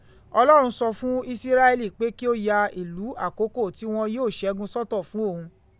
Ọlọ́run sọ fún Ísíráélì pé kí ó ya ìlú àkókò tí wọn yóò ṣẹ́gun sọ́tọ̀ fún Òun.